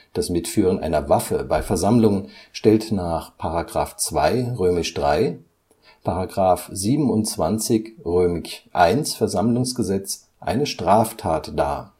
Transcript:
Das Mitführen einer Waffe bei Versammlungen stellt nach § 2 III, § 27 I VersammlG eine Straftat dar